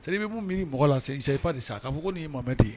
ç'est a dire i bɛ mun mini mɔgɔ la, il ne s'agit pas de ça ka mɔgo